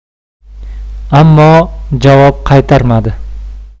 ammo javob qaytarmadi